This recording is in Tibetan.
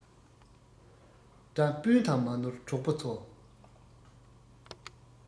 དགྲ སྤུན དང མ ནོར གྲོགས པོ ཚོ